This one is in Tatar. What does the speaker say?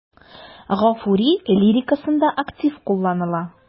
Гафури лирикасында актив кулланыла.